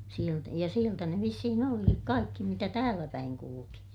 - ja sieltä ne vissiin olikin kaikki mitä täälläpäin kulki